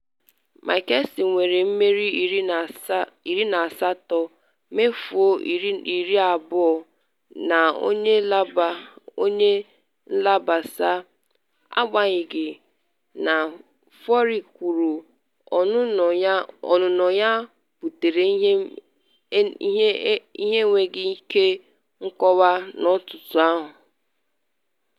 Mickelson nwere mmeri 18, mmefu 20 na onye laba onye laba asaa, agbanyeghị na Furyk kwuru ọnụnọ ya butere ihe enweghi ike nkọwa n’otu ahụ.